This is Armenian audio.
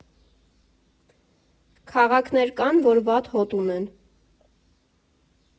Քաղաքներ կան, որ վատ հոտ ունեն։